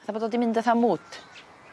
Fatha bod o 'di mynd atha mwd.